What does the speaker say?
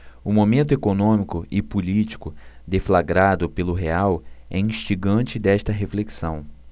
o momento econômico e político deflagrado pelo real é instigante desta reflexão